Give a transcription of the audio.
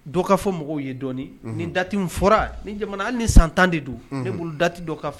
Dɔ ka fɔ mɔgɔw ye dɔni ni dati fɔra ni jamana ni san tan de don ne b bolo dati dɔ ka fɔ